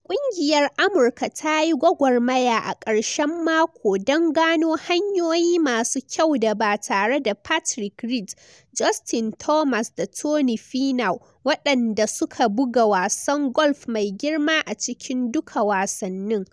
Kungiyar Amurka ta yi gwagwarmaya a karshen mako don gano hanyoyi masu kyau da ba tare da Patrick Reed, Justin Thomas da Tony Finau, waɗanda suka buga wasan golf mai girma a cikin duka wasannin.